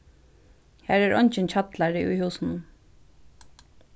har er eingin kjallari í húsunum